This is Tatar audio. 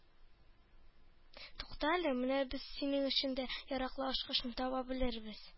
Туктале, менә без синең өчен дә яраклы ачкычны таба белербез